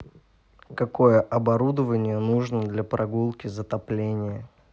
какое оборудование нужно для прогулки затопления